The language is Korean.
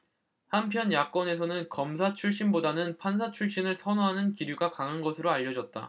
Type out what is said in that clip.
한편 야권에서는 검사 출신보다는 판사 출신을 선호하는 기류가 강한 것으로 알려졌다